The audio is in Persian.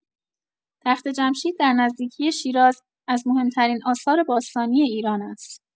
تخت‌جمشید در نزدیکی شیراز، از مهم‌ترین آثار باستانی ایران است.